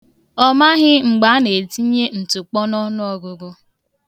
Ọ maghị mgbe ana etinye ntụkpọ n' ọnụọgụgụ.